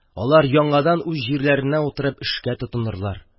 Алар яңадан үз җирләренә утырып, эшкә тотынырлар.